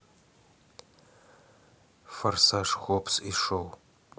форсаж хоббс и шоу